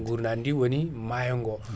gurnadidi woni maayo ngo